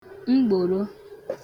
mgbòro